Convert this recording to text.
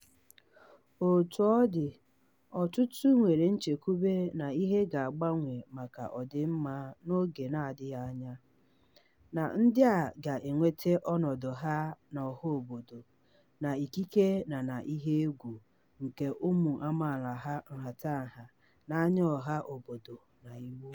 Etu ọ dị, ọtụtụ nwere nchekwube na ihe ga-agbanwe maka ọdịmma n'oge na-adịghị anya na ndị a ga-enweta ọnọdụ ha n'ọha obodo na ikike na ihe ùgwù nke ụmụ amaala haa nhatanha n'anya ọha obodo na iwu